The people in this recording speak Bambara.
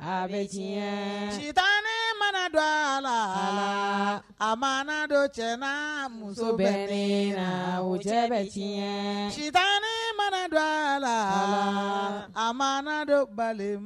A bɛ tiɲɛɛ sitanɛɛ mana don a laa Alaa a mana don cɛ n'aa muso bɛnneen na o cɛ bɛ tiɲɛɛ sitanɛɛ mana don a laa Alaa a mana don balem